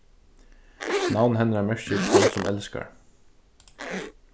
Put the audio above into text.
navn hennara merkir tann sum elskar